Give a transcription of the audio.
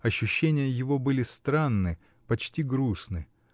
ощущения его были странны, почти грустны